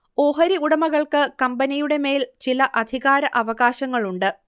ഓഹരി ഉടമകൾക്ക് കമ്പനിയുടെ മേൽ ചില അധികാരഅവകാശങ്ങളുണ്ട്